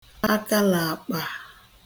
akalaàkpà